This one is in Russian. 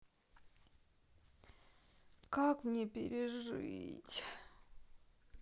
как мне пережить